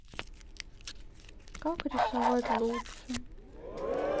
как рисовать лучше